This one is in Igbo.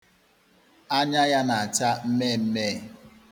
Anya ya na-acha mmeemmee.